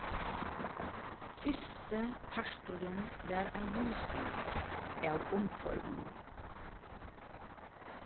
fyrsti parturin var ein lýsing av umhvørvinum